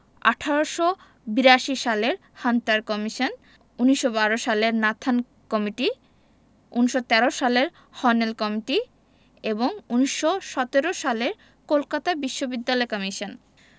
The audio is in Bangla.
১৮৮২ সালের হান্টার কমিশন ১৯১২ সালের নাথান কমিটি ১৯১৩ সালের হর্নেল কমিটি এবং ১৯১৭ সালের কলকাতা বিশ্ববিদ্যালয় কমিশন